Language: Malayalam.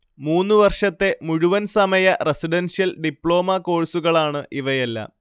മൂന്നുവർഷത്തെ മുഴുവൻ സമയ റസിഡൻഷ്യൽ ഡിപ്ലോമ കോഴ്സുകളാണ് ഇവയെല്ലാം